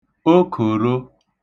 okòro